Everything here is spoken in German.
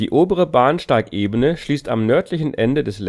obere Bahnsteigebene schließt am nördlichen Ende des